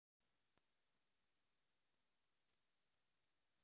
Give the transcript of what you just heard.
в дом пошли